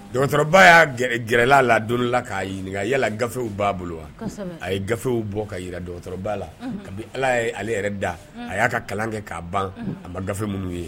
Ba y'a gɛrɛla la don la k'a ɲininka a yalala gafew b' bolo a ye gafew bɔ ka jiraba la kabi ala ye ale yɛrɛ da a y'a ka kalan kɛ k'a ban a ma gafe minnu ye